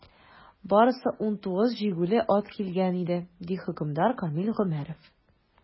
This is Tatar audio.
Барысы 19 җигүле ат килгән иде, - ди хөкемдар Камил Гомәров.